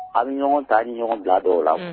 Aw bɛ ɲɔgɔn ta ni ɲɔgɔn dilan dɔw la